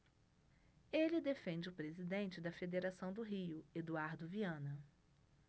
ele defende o presidente da federação do rio eduardo viana